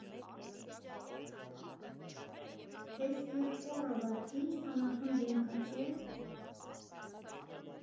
Էս Կիռկոռովը ինչ անասուն դեմք ա, չէ՞։